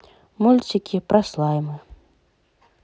мультики про слаймы